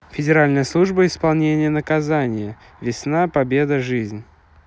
федеральная служба исполнения наказания весна победа жизнь